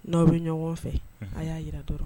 N'aw bɛ ɲɔgɔn fɛ a y'a jira dɔrɔn